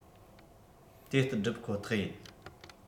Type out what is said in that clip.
དེ ལྟར བསྒྲུབ ཁོ ཐག ཡིན